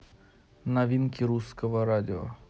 новинки русского радио